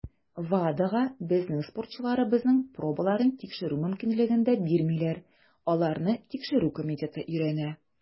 WADAга безнең спортчыларыбызның пробаларын тикшерү мөмкинлеген дә бирмиләр - аларны Тикшерү комитеты өйрәнә.